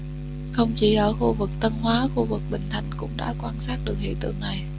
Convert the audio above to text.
không chỉ ở khu vực tân hóa khu vực bình thạnh cũng đã quan sát được hiện tượng này